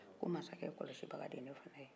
a ko masakɛ kɔlɔsibaga de ye ne fana ye